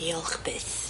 Diolch byth.